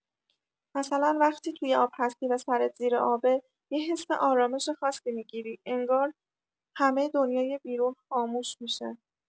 مثلا وقتی توی آب هستی و سرت زیر آبه، یه حس آرامش خاصی می‌گیری، انگار همه دنیای بیرون خاموش می‌شه.